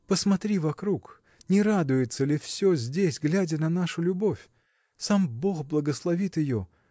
– Посмотри вокруг: не радуется ли все здесь, глядя на нашу любовь? Сам бог благословит ее.